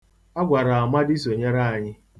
A gwara Amadi sonyere anyị.